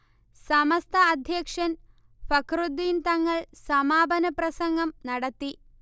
സമസ്ത അധ്യക്ഷൻ ഫഖ്റുദ്ദീൻ തങ്ങൾ സമാപന പ്രസംഗം നടത്തി